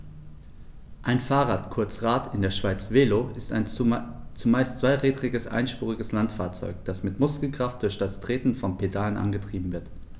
Ein Fahrrad, kurz Rad, in der Schweiz Velo, ist ein zumeist zweirädriges einspuriges Landfahrzeug, das mit Muskelkraft durch das Treten von Pedalen angetrieben wird.